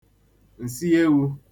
ǹsị ewū